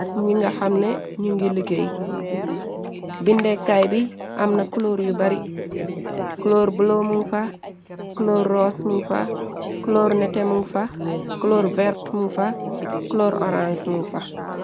ak ñi nga xamne ñu ngi liggéey bindekaay bi amna clor yu bari clore blo mung fa clor ros mun fa clor netemung fa clor vert mun fa clor orange mung fa.